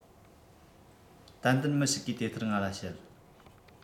ཏན ཏན མི ཞིག གིས དེ ལྟར ང ལ བཤད